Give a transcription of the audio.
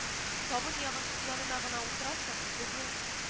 Табын ягын янына гына утырасың, безнең